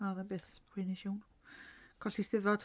Oedd o'n beth poenus iawn colli 'Steddfod.